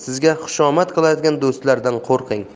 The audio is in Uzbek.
sizga xushomad qiladigan do'stlardan qo'rqing